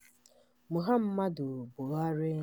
Muhammadu Buhari